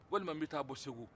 walima n bɛ taa bɔ segu